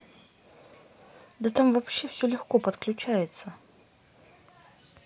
да там вообще все легко подключается